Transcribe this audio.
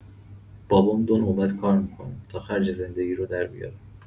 بابام دونوبت کار می‌کنه تا خرج زندگی رو دربیاره.